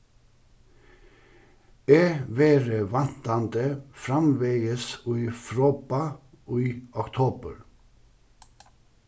eg verði væntandi framvegis í froðba í oktobur